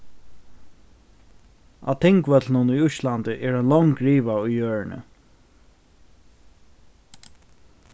á tingvøllinum í íslandi er ein long riva í jørðini